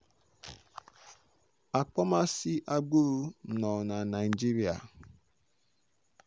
akpọmasị agbụrụ nọ na Naịjirịa